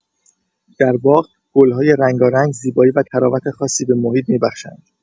در باغ، گل‌های رنگارنگ، زیبایی و طراوت خاصی به محیط می‌بخشند.